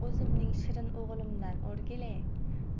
o'zimning shirin o'g'limdan o'rgilay